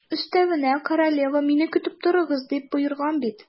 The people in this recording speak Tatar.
Өстәвенә, королева: «Мине көтеп торыгыз», - дип боерган бит.